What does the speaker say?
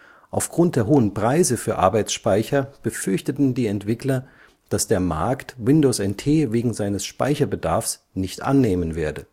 Aufgrund der hohen Preise für Arbeitsspeicher befürchteten die Entwickler, dass der Markt Windows NT wegen seines Speicherbedarfs nicht annehmen werde